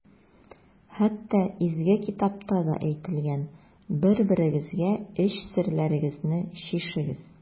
Хәтта Изге китапта да әйтелгән: «Бер-берегезгә эч серләрегезне чишегез».